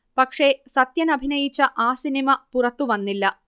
പക്ഷേ സത്യനഭിനയിച്ച ആ സിനിമ പുറത്തുവന്നില്ല